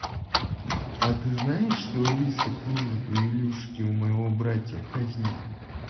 а ты знаешь что алиса кружит у илюшки у моего братья казни